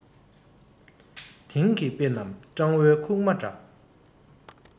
དེང གི དཔེ རྣམས སྤྲང བོའི ཁུག མ འདྲ